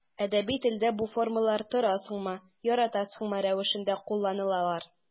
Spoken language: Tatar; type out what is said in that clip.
Әдәби телдә бу формалар торасыңмы, яратасыңмы рәвешендә кулланылалар.